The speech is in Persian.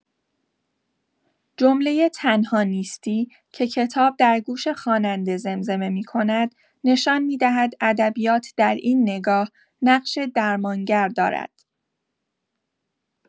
جمله «تنها نیستی» که کتاب در گوش خواننده زمزمه می‌کند، نشان می‌دهد ادبیات در این نگاه، نقش درمانگر دارد؛